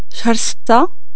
شهر ستة